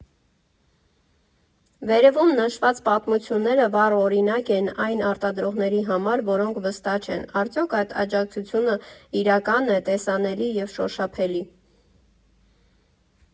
Վերևում նշված պատմությունները վառ օրինակ են այն արտադրողների համար, որոնք վստահ չեն՝ արդյո՞ք այդ աջակցությունն իրական է, տեսանելի և շոշափելի։